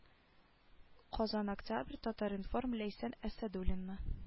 Казан октябрь татар-информ ләйсән әсәдуллина